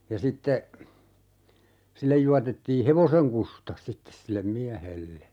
ja sitten sille juotettiin hevosen kusta sitten sille miehelle